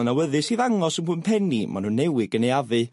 ...yn awyddus i ddangos y pwmpenni ma' n'w newydd gynaeafu.